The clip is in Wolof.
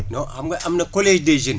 non xam nga am na collège des jeunes